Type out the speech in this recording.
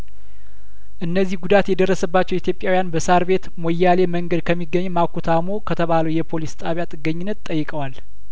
እነዚህ ጉዳት የደረሰባቸው ኢትዮጵያውያን በሳር ቤት ሞያሌ መንገድ ከሚገኘው ማኩ ታሞ ከተባለው የፖሊስ ጣቢያጥገኝነት ጠይቀዋል